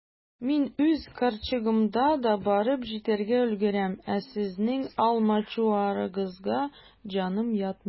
Мин үз карчыгымда да барып җитәргә өлгерәм, ә сезнең алмачуарыгызга җаным ятмый.